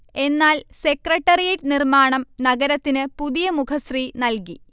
എന്നാൽ സെക്രട്ടേറിയറ്റ് നിർമ്മാണം നഗരത്തിന് പുതിയ മുഖശ്രീ നൽകി